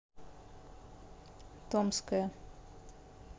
томская